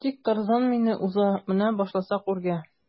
Тик Тарзан мине уза менә башласак үргә.